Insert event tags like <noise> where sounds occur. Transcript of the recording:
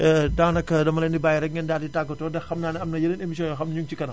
<hesitation> daanaka dama leen i bàyyi rekk ngeen daal di tàggatoo ndax xam naa ne am na yeneen émissions yoo xam ne ñu ngi ci kanam